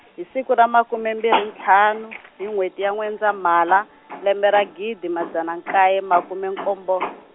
hi siku ra makume mbirhi ntlhanu, hi n'wheti ya N'wendzamhala, lembe ra gidi madzana nkaye makume nkombo.